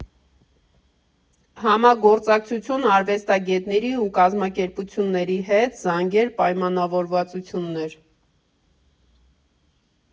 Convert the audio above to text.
Համագործակցություն արվեստագետների ու կազմակերպությունների հետ, զանգեր, պայմանավորվածություններ…